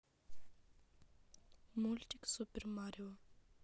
мультик супер марио